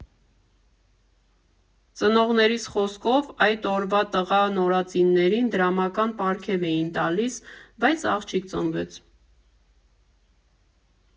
Ծնողներիս խոսքով՝ այդ օրվա տղա նորածիններին դրամական պարգև էին տալիս, բայց աղջիկ ծնվեց։